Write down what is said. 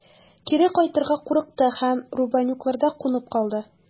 Кире кайтырга курыкты һәм Рубанюкларда кунып калды.